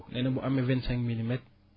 nee na bu amee vingt cinq milimètres